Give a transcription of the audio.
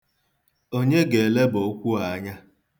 Onye ga-eleba okwu a anya?